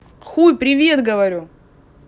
хуй привет говорю